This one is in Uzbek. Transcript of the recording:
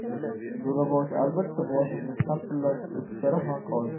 jo'raboshi albatta boshimga shapatilab ustara haqi olishadi